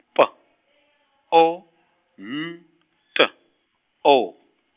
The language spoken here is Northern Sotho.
P O N T O.